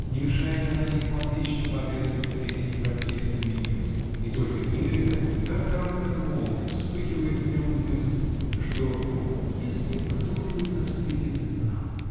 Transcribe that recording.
Не мешает она ему отлично пообедать в третьем трактире с Эмилем -- и только изредка, как короткая молния, вспыхивает в нем мысль, что -- если б кто-нибудь на свете знал??!!